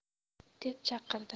deb chaqirdi